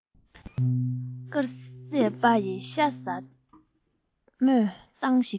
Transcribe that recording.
དཀར ཟས པ ཡིས ཤ ཟ སྨོད སྟངས ཤིག